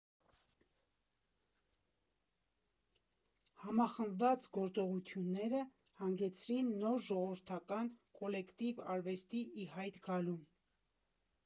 Համախմբված գործողությունները հանգեցրին նոր ժողովրդական կոլեկտիվ արվեստի ի հայտ գալուն։